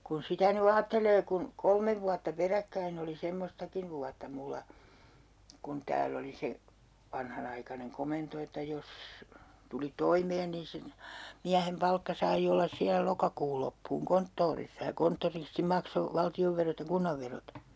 kun sitä nyt ajattelee kun kolme vuotta peräkkäin oli semmoistakin vuotta minulla kun täällä oli se vanhanaikainen komento että jos tuli toimeen niin - miehen palkka sai olla siellä lokakuun loppuun konttorissa ja konttoristi maksoi valtionverot ja kunnanverot